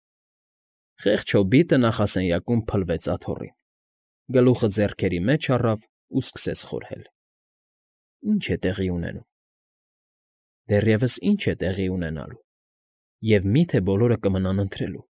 Խեղճ հոբիտը նախասրահում փլվեց աթոռին, գլուխը ձեռքերի մեջ առավ ու սկսեց խորհել. ի՞նչ է տեղի ունենում, դեռևս ի՞նչ է տեղի ունենալու և մի՞թե բոլորը կմնան ընթրելու։